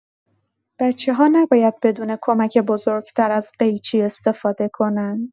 بچه‌ها نباید بدون کمک بزرگ‌تر از قیچی استفاده کنن.